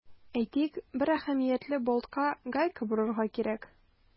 Әйтик, бер әһәмиятле болтка гайка борырга кирәк.